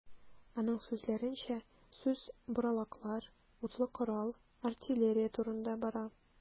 Аның сүзләренчә, сүз боралаклар, утлы корал, артиллерия турында бара ала.